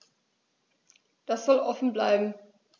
Das soll offen bleiben.